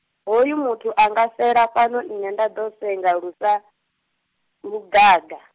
hoyu muthu anga fela fhano nṋe nda ḓo senga lusa, lugaga.